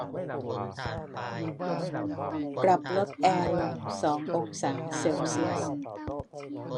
ปรับลดแอร์ลงสององศาเซลเซียส